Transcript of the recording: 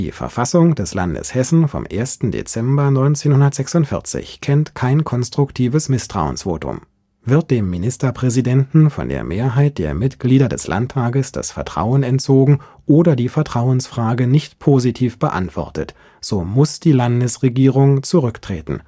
Verfassung des Landes Hessen vom 1. Dezember 1946 kennt kein konstruktives Misstrauensvotum. Wird dem Ministerpräsidenten von der Mehrheit der Mitglieder des Landtages das Vertrauen entzogen oder die Vertrauensfrage nicht positiv beantwortet, so muss die Landesregierung zurücktreten